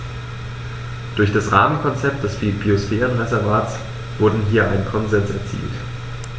Durch das Rahmenkonzept des Biosphärenreservates wurde hier ein Konsens erzielt.